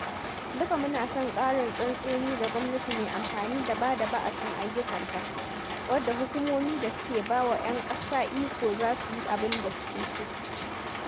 Duka muna son ƙarin tsantseni da gwamnati mai amfani da ba da ba'asin ayyukanta, wadda hukumomin da suka ba wa 'yan ƙasa iko za su yi abin da suke so.